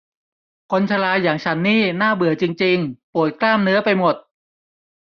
คนชราอย่างฉันนี่น่าเบื่อจริงจริงปวดกล้ามเนื้อไปหมด